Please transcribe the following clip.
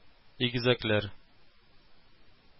ИГЕЗӘКЛӘР